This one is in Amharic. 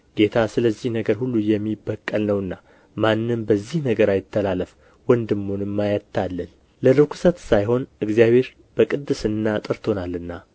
ጌታ ስለዚህ ነገር ሁሉ የሚበቀል ነውና ማንም በዚህ ነገር አይተላለፍ ወንድሙንም አያታልል ለርኵሰት ሳይሆን እግዚአብሔር በቅድስና ጠርቶናልና